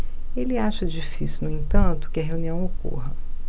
ele acha difícil no entanto que a reunião ocorra